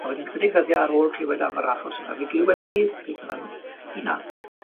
A wedyn ychydig ddyddie ar ôl clwed am yr achos yma, fe glywes i hunan,